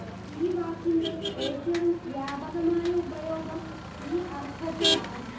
ഈ വാക്കിന്റെ ഏറ്റവും വ്യാപകമായ ഉപയോഗം ഈ അർത്ഥത്തിലാണ്